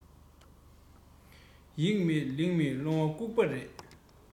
ཡིག མེད མིག མེད ལོང བ སྐུགས པ རེད